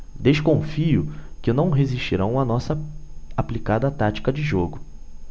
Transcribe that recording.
desconfio que não resistirão à nossa aplicada tática de jogo